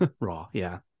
Rah ie.